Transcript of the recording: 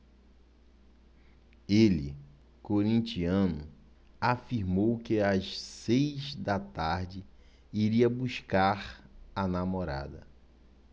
ele corintiano afirmou que às seis da tarde iria buscar a namorada